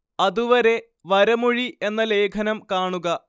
അതുവരെ വരമൊഴി എന്ന ലേഖനം കാണുക